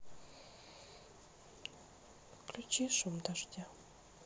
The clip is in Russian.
включи шум дождя